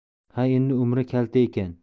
ha endi umri kalta ekan